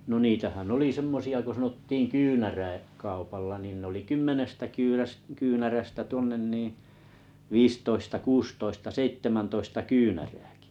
no niitähän oli semmoisia kun sanottiin - kyynäräkaupalla niin ne oli kymmenestä - kyynärästä tuonne niin viisitoista kuusitoista seitsemäntoista kyynärääkin